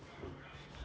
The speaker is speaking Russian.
ты наверное самая лучшая